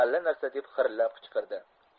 allanarsa deb xirillab qichqirdi